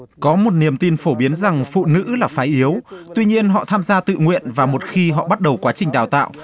có một niềm tin phổ biến rằng phụ nữ là phái yếu tuy nhiên họ tham gia tự nguyện và một khi họ bắt đầu quá trình đào tạo